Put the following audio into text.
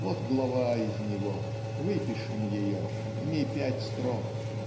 Вот глава из него, - выпишем ее: в ней пять строк.